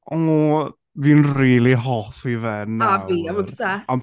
O fi'n rili hoffi fe nawr... A fi, I'm obsessed!